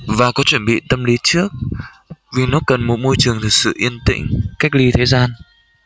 và có chuẩn bị tâm lý trước vì nó cần một môi trường thật sự yên tĩnh cách ly thế gian